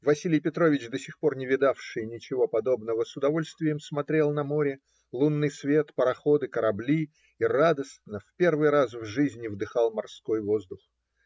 Василий Петрович, до сих пор не видавший ничего подобного, с удовольствием смотрел на море, лунный свет, пароходы, корабли и радостно, в первый раз в жизни, вдыхал морской воздух.